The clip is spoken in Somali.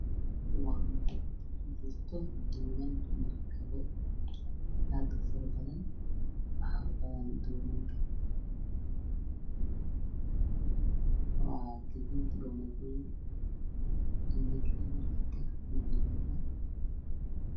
Waxaa ii muuqda bad waxaa joogo maraakiib waxaa saaran kunteedhar midabbadooda kala yihiin guduud buluug jaalo